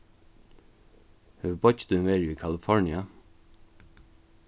hevur beiggi tín verið í kalifornia